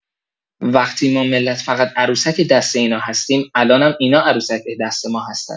وقتی ما ملت فقط عروسک دست اینا هستیم، الانم اینا عروسک دست ما هستن!